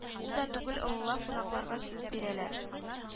Ул да түгел олылап кунакларга сүз бирәләр